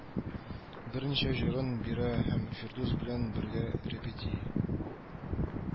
Берничә җырын бирә һәм фирдус белән бергә репети